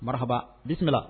Marahaba di